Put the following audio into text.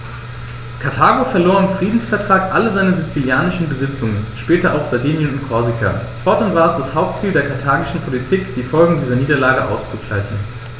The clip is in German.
Karthago verlor im Friedensvertrag alle seine sizilischen Besitzungen (später auch Sardinien und Korsika); fortan war es das Hauptziel der karthagischen Politik, die Folgen dieser Niederlage auszugleichen.